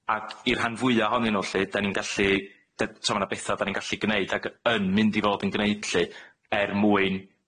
ac i'r rhan fwya ohonyn nw lly, 'da ni'n gallu dy- t'o' ma' 'na betha' 'da ni'n gallu gneud, ag yn mynd i fod yn gneud lly er mwyn,